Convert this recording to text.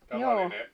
joo